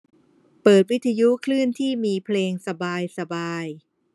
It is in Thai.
เปิดวิทยุคลื่นที่มีเพลงสบายสบาย